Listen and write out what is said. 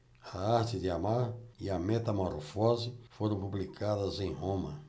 a arte de amar e a metamorfose foram publicadas em roma